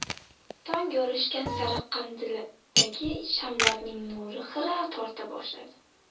tong yorishgan sari qandildagi shamlarning nuri xira torta boshladi